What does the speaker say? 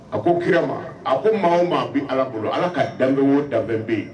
A ko kira ma a ko maa o maa bɛ Ala bolo Ala ka danfɛn o danfɛn bɛ yen